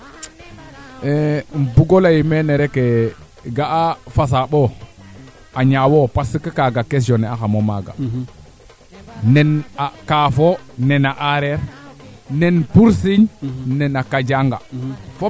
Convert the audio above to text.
kaa njega fogooñ a naangin ñuka ngeekin a coonda mumeen ke den lalamb bo ndiiga fadiid de sufoyo gooñ a njiko kan sa soogo ñimna muumeen kene na den no fogooñ le